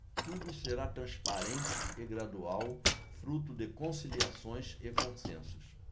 tudo será transparente e gradual fruto de conciliações e consensos